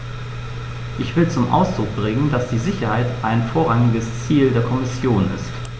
Ich will zum Ausdruck bringen, dass die Sicherheit ein vorrangiges Ziel der Kommission ist.